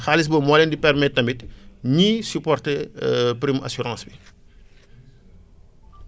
xaalis boobu moo leen di permettre tamit ñuy supporter problème mu assurance bi